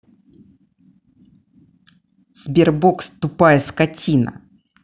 sberbox тупая скотина